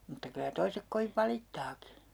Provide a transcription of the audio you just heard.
mutta kyllä toiset kovin valittaakin